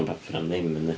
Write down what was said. yn papur am ddim, yndi.